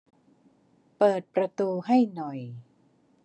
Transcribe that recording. เปิดประตูให้หน่อย